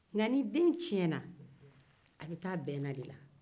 nka ni den tiɲɛna a bɛ taa a bɛna de la